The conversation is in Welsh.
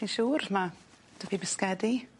Ti'n siŵr ma' 'dy fi bisgedi?